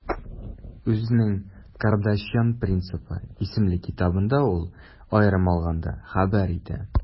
Үзенең «Кардашьян принципы» исемле китабында ул, аерым алганда, хәбәр итә: